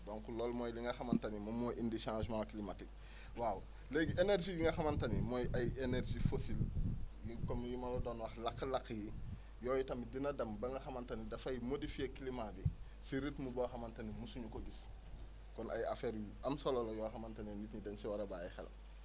donc loolu mooy li nga xamante ni moom moo indi changement climatique waaw léegi énergies yi nga xamante ni mooy ay énergies fossile yu comme yu ma la doon wax lakk-lakk yi yooyu tamit dina dem ba nga xamante ni dafay modifier climat bi si rythme boo xamante ni mosuñu ko gis kon ay affaire yu am solo la yoo xamante ne nit ñi dañu si war a bàyyi xel